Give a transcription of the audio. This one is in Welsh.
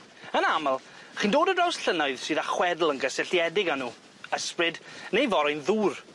Yn amal, chi'n dod ar draws llynnoedd sydd â chwedl yn gysylltiedig â nw ysbryd, neu forwyn ddŵr.